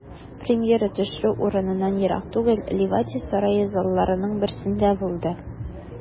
Премьера төшерү урыныннан ерак түгел, Ливадия сарае залларының берсендә булды.